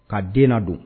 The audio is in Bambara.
Ka den don